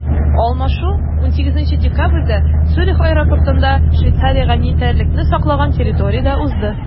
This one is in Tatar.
Алмашу 18 декабрьдә Цюрих аэропортында, Швейцариягә нейтральлекне саклаган территориядә узды.